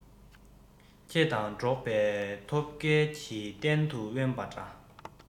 ཁྱེད དང འགྲོགས པའི ཐོབ སྐལ གྱིས གཏན དུ དབེན པ འདྲ